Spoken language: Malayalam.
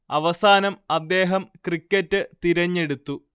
അവസാനം അദ്ദേഹം ക്രിക്കറ്റ് തിരെഞ്ഞെടുത്തു